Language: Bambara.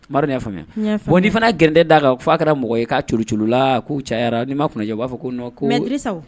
Tunkarari y'a faamuya bon nin fana grinde d'a kan f fo a kɛra mɔgɔ ye k'a juruurula k'u cayayara n'i maa kunnajɛ b'a fɔ ko kosa